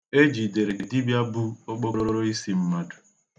E jidere dibia bu okpokoroisi mmadụ.